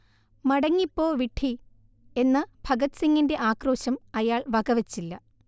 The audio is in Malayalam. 'മടങ്ങിപ്പോ വിഡ്ഢീ' എന്ന ഭഗത്സിങ്ങിന്റെ ആക്രോശം അയാൾ വകവച്ചില്ല